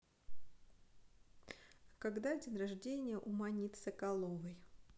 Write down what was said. а когда день рождения у манит соколовой